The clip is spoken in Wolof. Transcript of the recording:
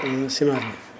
semence bi